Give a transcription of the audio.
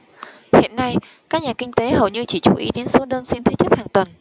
hiện nay các nhà kinh tế hầu như chỉ chú ý đến số đơn xin thế chấp hàng tuần